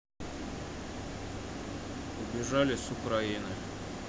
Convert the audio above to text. убежали с украины